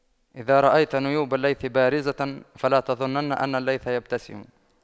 إذا رأيت نيوب الليث بارزة فلا تظنن أن الليث يبتسم